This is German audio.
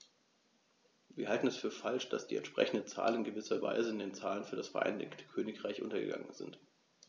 Wir halten es für falsch, dass die entsprechenden Zahlen in gewisser Weise in den Zahlen für das Vereinigte Königreich untergegangen sind.